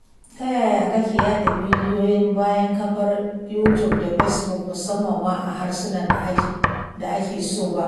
Ta yaya kake yaɗa bidiyoyin bayan kafar Youtube da Facebook, musamman ma a harsunan da ake so ba?